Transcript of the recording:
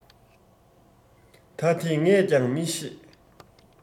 ད དེ ངས ཀྱང མི ཤེས